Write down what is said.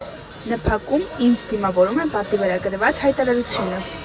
ՆՓԱԿ֊ում ինձ դիմավորում է պատի վրա գրված հայտարարությունը.